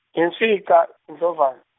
imfica iNdlovana.